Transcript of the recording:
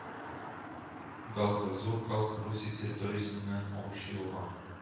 Галка Зур Галка Русия территориясеннән агучы елга